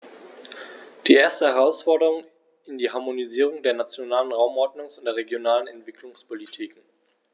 Die erste Herausforderung ist die Harmonisierung der nationalen Raumordnungs- und der regionalen Entwicklungspolitiken.